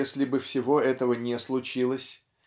если бы всего этого не случилось